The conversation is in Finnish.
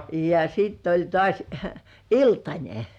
ja sitten oli taas iltanen